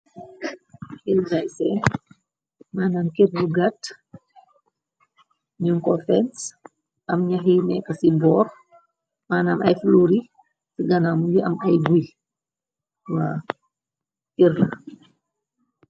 Xil rayse manam kër bu gat ñum ko fens am ñaxi nekka ci boor manam ay fluuri ci ganam yi am ay guy wa kerla.